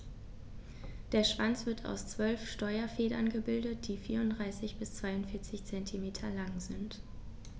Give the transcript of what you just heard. Der Schwanz wird aus 12 Steuerfedern gebildet, die 34 bis 42 cm lang sind.